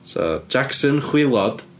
So Jackson Chwilod.